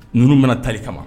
Ninnu bɛna yen ka ban.